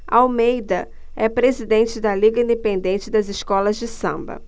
almeida é presidente da liga independente das escolas de samba